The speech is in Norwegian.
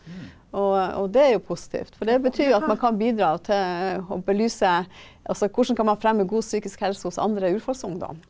og og det er jo positivt, for det betyr jo at man kan bidra til å belyse altså hvordan kan man fremme god psykisk helse hos andre urfolksungdom?